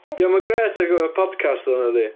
'Di o'm yn grêt ar gyfer podcast ddo nadi?